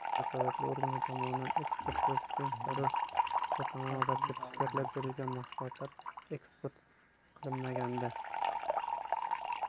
vakolatli organlar tomonidan eksport qilish uchun zarur ruxsatnoma va sertifikatlar berilgan mahsulotlar eksport qilinmaganda